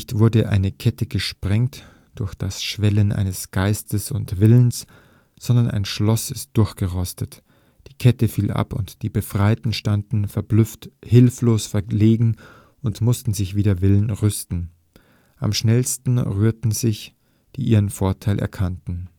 wurde eine Kette gesprengt durch das Schwellen eines Geistes und Willens, sondern ein Schloss ist durchgerostet. Die Kette fiel ab, und die Befreiten standen verblüfft, hilflos, verlegen, und mussten sich wider Willen rüsten. Am schnellsten rührten sich, die ihren Vorteil erkannten